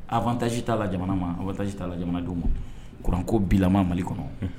A bɛtaji ta la jamana ma a bɛ t'a la jamanadenw ma kuranko bilama mali kɔnɔ